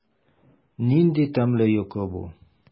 Нинди тәмле йокы бу!